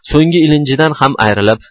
so'nggi ilinjidan ham ayrilib